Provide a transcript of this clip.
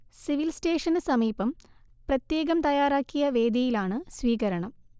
civil സ്റ്റേഷന് സമീപം പ്രത്യേകം തയ്യാറാക്കിയ വേദിയിലാണ് സ്വീകരണം